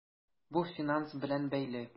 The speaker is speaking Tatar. Бу финанс белән бәйле.